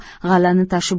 g'allani tashib